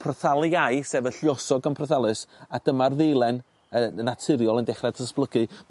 prothaliai sef y lluosog am prothallus a dyma'r ddilen yy yn naturiol yn dechre datblygu